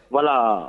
Wala